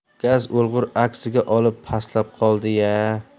gaz o'lgur aksiga olib pastlab qoldi ya